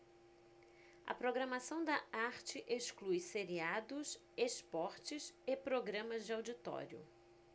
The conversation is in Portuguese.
a programação da arte exclui seriados esportes e programas de auditório